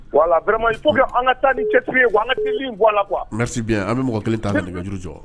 An ka taa ni cɛtigi an ka bɔ la kuwasi an bɛ mɔgɔ kelen taa nijuru jɔ